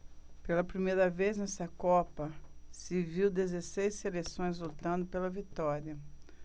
pela primeira vez nesta copa se viu dezesseis seleções lutando pela vitória